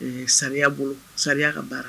Ee Sariya bolo, sariya ka baara